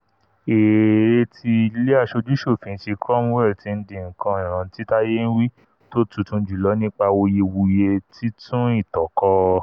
Èère ti ile Aṣojú-ṣòfin ti Cromwell ti ńdi nǹkan ìrántí táyénwí tó tuntun jùlọ nípa awuye-wuye 'títún ìtàn kọ'